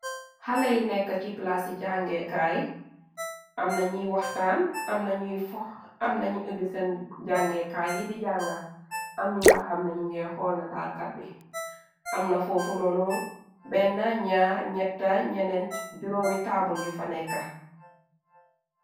Halay nekk ci plaas i jàngekaay am nañuy waxtaan am nañuy fox amnañu ëbbi seen jàngekaay yi di jànga am ñi nga xam nañu ngay xoolna talkat bi amna fofunoonu 1 2 etta ñene juomi taabul yu fa nekka